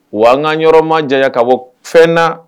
Wa ngaan yɔrɔ ma diya ka bɔ fɛnna